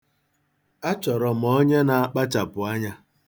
Achọrọ m onye na-akpachapụ anya.